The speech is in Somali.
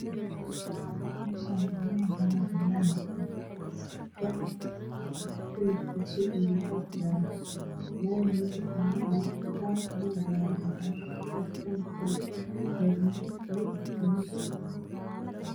Me Shani wa meel banan Ola mi eh waxa ka dhi san dabaq kalar kisu uyahay jale lamiga waxa marayo Bajaj iyo gaari cad cad bajaajdu kalar kedu wa gudud iyo balug